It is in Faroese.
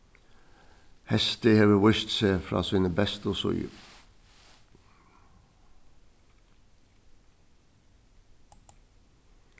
heystið hevur víst seg frá síni bestu síðu